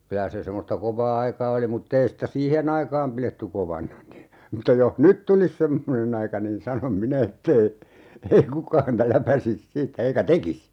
kyllä se semmoista kovaa aikaa oli mutta ei sitä siihen aikaan pidetty kovana niin mutta jos nyt tulisi semmoinen aika niin sanon minä että ei ei kukaan häntä läpäisisi siitä eikä tekisi